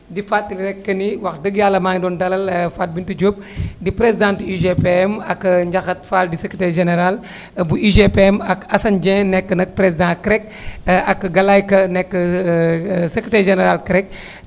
di fàttali rek que ni wax dëgg yàlla maa ngi doon dalal Fatou binetou Diop di présidente UGPM ak Niakhate Fall di secretaire général bu UGPM ak Assane Dieng nekk nag président CREC ak Gallaye Ka nekk secretaire général CREC